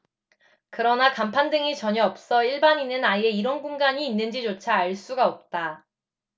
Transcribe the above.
그러나 간판 등이 전혀 없어 일반인은 아예 이런 공간이 있는지조차 알 수가 없다